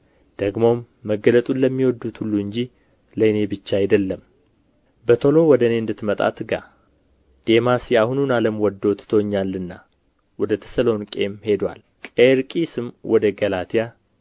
ደግሞም መገለጡን ለሚወዱት ሁሉ እንጂ ለእኔ ብቻ አይደለም በቶሎ ወደ እኔ እንድትመጣ ትጋ ዴማስ የአሁኑን ዓለም ወዶ ትቶኛልና ወደ ተሰሎንቄም ሄዶአል ቄርቂስም ወደ ገላትያ